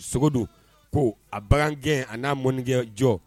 Sogo don ko a bagan gɛn a n'a mɔninkɛ jɔ